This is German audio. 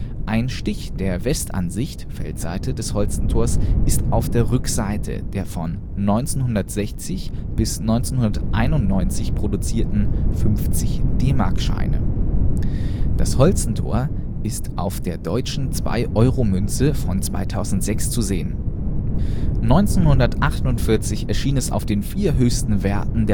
Ein Stich der Westansicht (Feldseite) des Holstentors ist auf der Rückseite der von 1960 bis 1991 produzierten 50-DM-Scheine. Das Holstentor ist auf der deutschen 2-Euro-Münze von 2006 zu sehen. 1948 erschien es auf den vier höchsten Werten